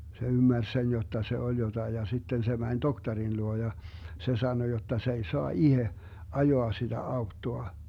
se ymmärsi sen jotta se oli jotakin ja sitten se meni tohtorin luo ja se sanoi jotta se ei saa itse ajaa sitä autoa